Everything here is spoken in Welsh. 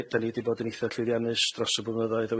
ni 'dan ni 'di bod yn eitha' llwyddiannus dros y blynyddoedd a